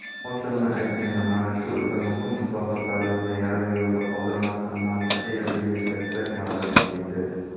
ochig'ini aytganda mana shu o'ta muhim islohotlarimizni yarim yo'lda qoldirmasdan mantiqiy yakuniga yetkazsak marra bizniki